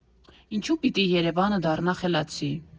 Ինչո՞ւ պիտի Երևանը դառնա խելացի։